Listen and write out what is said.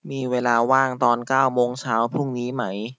มีเวลาว่างตอนเก้าโมงเช้าพรุ่งนี้ไหม